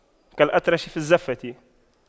كالأطرش في الزَّفَّة